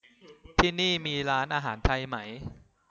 ที่นี่มีร้านอาหารไทยไหม